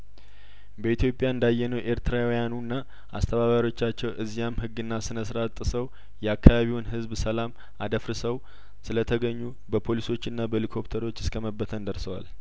በኢትዮጵያ እንዳ የነው ኤርትራውያኑና አስተባባሪዎቻቸው እዚያም ህግና ስነስርአት ጥሰው የአካባቢውን ህዝብ ሰላም አደፍ ርሰው ስለተገኙ በፖሊሶችና በሊኮፕ ተሮች እስከመበተን ደርሰዋል